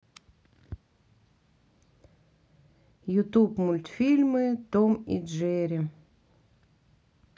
ютуб мультфильмы том и джерри